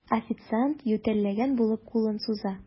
Официант, ютәлләгән булып, кулын суза.